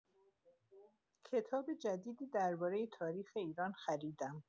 کتاب جدیدی دربارۀ تاریخ ایران خریدم.